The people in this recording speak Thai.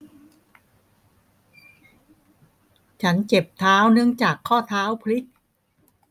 ฉันเจ็บเท้าเนื่องจากข้อเท้าผลิก